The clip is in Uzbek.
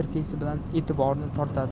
interfeysi bilan e'tiborni tortadi